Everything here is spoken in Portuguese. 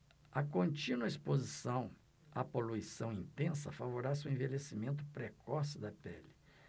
a contínua exposição à poluição intensa favorece o envelhecimento precoce da pele